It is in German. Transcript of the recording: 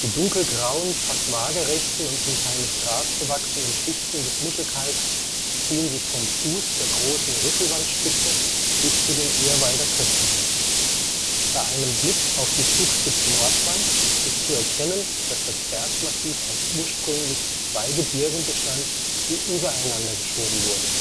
dunkelgrauen, fast waagerechten und zum Teil mit Gras bewachsenen Schichten des Muschelkalks ziehen sich vom Fuß der Großen Riffelwandspitze bis zu den Ehrwalder Köpfen hin. Bei einem Blick auf die Zugspitznordwand ist zu erkennen, dass das Bergmassiv aus ursprünglich zwei Gebirgen bestand, die übereinander geschoben wurden